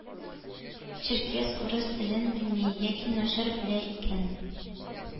Черкес урыс телен белми яки начар белә икән,